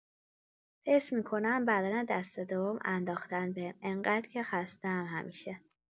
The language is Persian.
حس می‌کنم بدن دسته دوم انداختن بهم انقدر که خستم همیشه